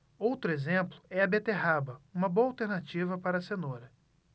outro exemplo é a beterraba uma boa alternativa para a cenoura